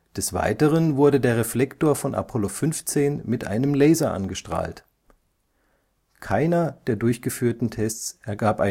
Des Weiteren wurde der Reflektor von Apollo 15 mit einem Laser angestrahlt. Keiner der durchgeführten Tests ergab